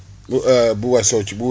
ñu bu weesoo ci bu